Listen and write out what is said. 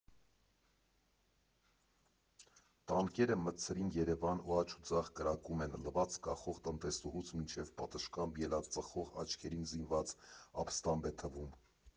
Տանկերը մտցրին Երևան ու աջուձախ կրակում են՝ լվացք կախող տնտեսուհուց մինչև պատշգամբ ելած ծխող աչքներին զինված աբստամբ է թվում։